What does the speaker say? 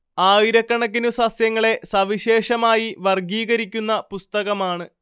ആയിരക്കണക്കിനു സസ്യങ്ങളെ സവിശേഷമായി വർഗ്ഗീകരിക്കുന്ന പുസ്തകമാണ്